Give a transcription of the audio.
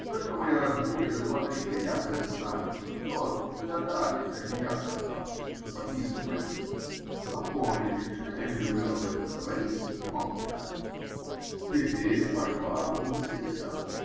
Только мои родные да два-три приятеля знали (и то догадались, а не я сказал), что я пописываю, но поняли, что я не люблю об этом говорить, и молчали. Теперь пошла музыка не та.